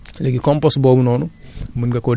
nga xam ne léegi compost boobu nga doon defar